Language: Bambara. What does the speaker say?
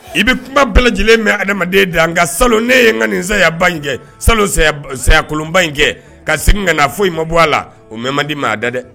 I bɛ kuma bɛɛ lajɛlen mɛn adamaden da nka nka sa ne ye ka nin zyaba in kɛ saya kolonba in kɛ ka segin ka'a fɔ i ma bɔ a la o mɛ man di maa da dɛ